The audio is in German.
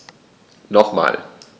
Nochmal.